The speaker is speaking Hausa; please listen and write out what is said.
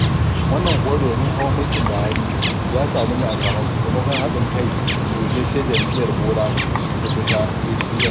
Wannan kuwa domin hawan mulkin Buhari ya samu ne a sakamakon haɗin kai da rusasshiyar jam'iyyar Bola Tinubu ta (ACN).